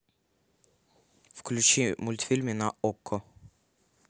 включи мультфильмы на окко